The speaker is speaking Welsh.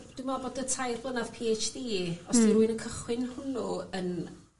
dwi' me'wl bod y tair blynadd Pee Heitch Dee... Hmm. ...os 'di rywun yn cychwyn hwnnw yn